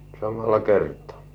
samalla kertaa